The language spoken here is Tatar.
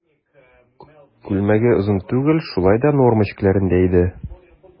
Күлмәге озын түгел, шулай да норма чикләрендә иде.